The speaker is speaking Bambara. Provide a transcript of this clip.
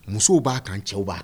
Musow b'a kan cɛwba